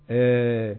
Ɛɛ